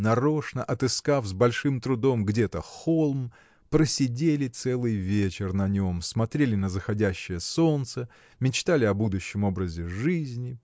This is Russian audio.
нарочно отыскав с большим трудом где-то холм просидели целый вечер на нем смотрели на заходящее солнце мечтали о будущем образе жизни